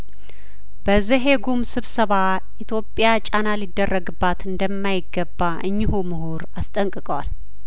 በዘሄጉም ስብሰባ ኢትዮጵያጫና ሊደረግባት እንደማይገባ እኚሁ ምሁር አስጠንቅቀዋል